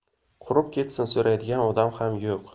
qurib ketsin so'raydigan odam ham yo'q